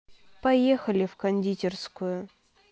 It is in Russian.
поехали в кондитерскую